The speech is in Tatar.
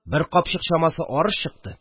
Бер капчык чамасы арыш чыкты